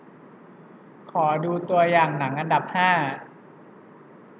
ขอดูตัวอย่างหนังอันดับห้า